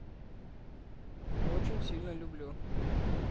очень сильно люблю